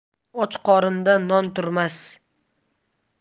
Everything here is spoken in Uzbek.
och qorinda non turmas